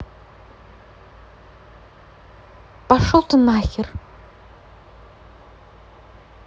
пошел ты нахер